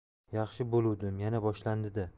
yaxshi bo'luvdim yana boshlandida